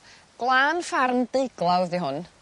gwlan ffarm deuglawdd 'di hwn